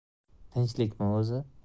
tinchlikmi o'zi